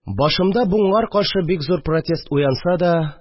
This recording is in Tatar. Башымда буңар каршы бик зур протест уянса да